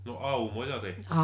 no aumoja tehtiin